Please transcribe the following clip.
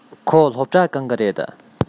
ཁོ སློབ གྲྭ གང གི རེད